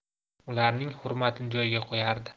ularning hurmatini joyiga qo'yardi